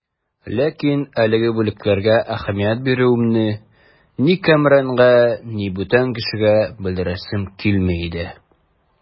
Ләкин әлеге бүләкләргә әһәмият бирүемне ни Кәмранга, ни бүтән кешегә белдерәсем килми иде.